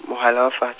mohala wa fat-.